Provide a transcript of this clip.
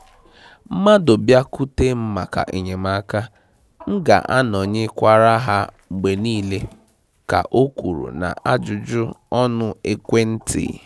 Mmadụ bịakute m maka enyemaaka, m ga-anọnye kwara ha mgbe niile, ka o kwuru n'ajụjụ ọnụ ekwentị.